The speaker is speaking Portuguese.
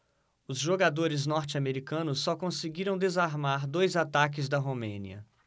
os jogadores norte-americanos só conseguiram desarmar dois ataques da romênia